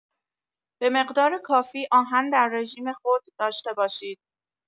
به مقدار کافی آهن در رژیم خود داشته باشید.